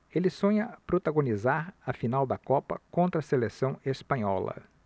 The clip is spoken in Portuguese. ele sonha protagonizar a final da copa contra a seleção espanhola